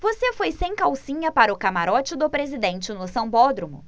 você foi sem calcinha para o camarote do presidente no sambódromo